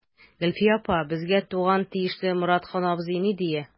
Гөлфия апа, безгә туган тиешле Моратхан абзый ни дия.